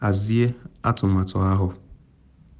Hazie atụmatụ ahụ."